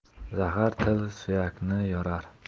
zahar til suyakni yorar